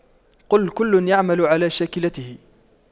قُل كُلٌّ يَعمَلُ عَلَى شَاكِلَتِهِ